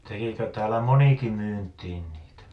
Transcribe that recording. tekikö täällä monikin myyntiin niitä